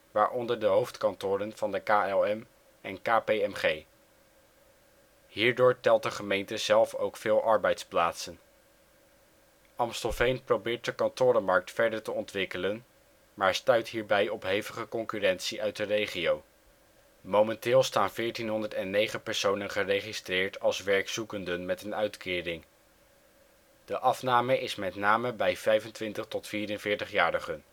waaronder de hoofdkantoren van de KLM en KPMG. Hierdoor telt de gemeente zelf ook veel arbeidsplaatsen. Amstelveen probeert de kantorenmarkt verder te ontwikkelen maar stuit hierbij op hevige concurrentie uit de regio. Momenteel staan 1.409 personen geregistreerd als werkzoekenden met een uitkering. De afname is met name bij 25-44 jarigen